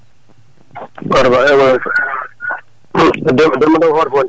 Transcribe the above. * o ko Demba Ndaw Oréfondé